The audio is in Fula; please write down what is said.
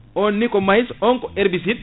on nicomaïs on ko herbicide